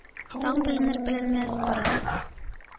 Таң беленер-беленмәс борын